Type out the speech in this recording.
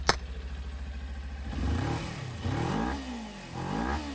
расскажи какие новости